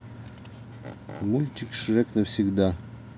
мультик шрек навсегда